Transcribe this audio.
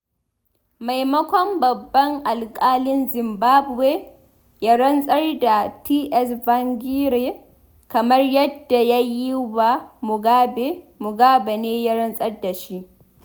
Maimakon babban alkalin Zimbabwe ya rantsar da Tsvangirai kamar yadda ya yi wa Mugabe, Mugabe ne ya rantsar da shi.